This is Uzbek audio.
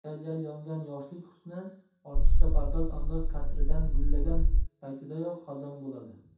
yal yal yongan yoshlik husni ortiqcha pardoz andoz kasridan gullagan paytidayoq xazon bo'ladi